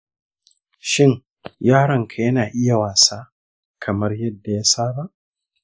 shin yaronka yana iya wasa kamar yadda ya saba?